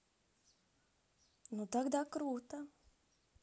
ну тогда круто